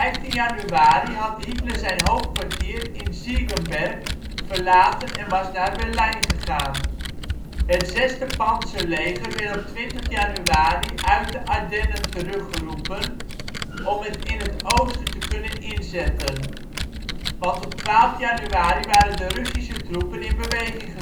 januari had Hitler zijn hoofdkwartier in Ziegenberg verlaten en was naar Berlijn gegaan. Het 6e pantserleger werd op 20 januari uit de Ardennen teruggeroepen om het in het oosten te kunnen inzetten, want op 12 januari waren de Russische troepen in beweging